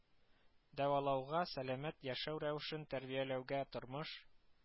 Дәвалауга, сәламәт яшәү рәвешен тәрбияләүгә, тормыш